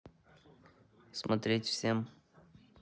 смотреть всем